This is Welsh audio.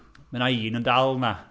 Mae 'na un yn dal yna.